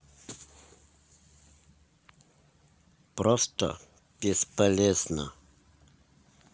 просто бесполезно